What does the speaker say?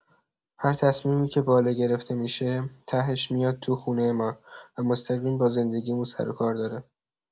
هر تصمیمی که بالا گرفته می‌شه، تهش میاد تو خونه ما و مستقیم با زندگی‌مون سر و کار داره.